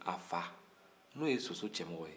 a fa n'o ye sosokɛmɔgɔ ye